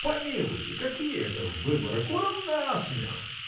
Помилуйте, какие это выборы: курам на смех!